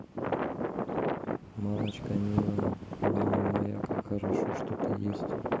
мамочка милая мама моя как хорошо что ты есть